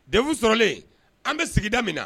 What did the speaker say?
DEF sɔrɔlen an be sigida min na